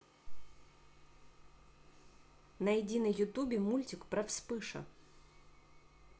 найди на ютубе мультик про вспыша